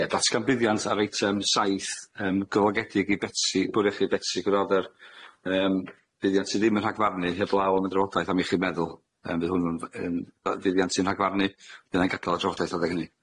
Ie datgan buddiant ar eitem saith, yym golygedig i Betsi bwr iechyd i Betsi gyda'r yym buddiant sy ddim yn rhagfarnu heblaw am y drafodaeth a mi 'ych chi'n meddwl yym fydd hwn yn f- yym yy fuddiant sy'n rhagfarnu byddai'n gadal y drafodaeth adeg hynny.